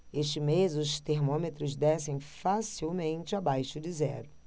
este mês os termômetros descem facilmente abaixo de zero